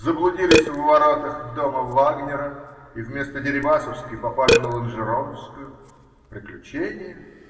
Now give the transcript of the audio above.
заблудились в воротах дома Вагнера и вместо Дерибасовской попали на Ланжероновскую -- приключение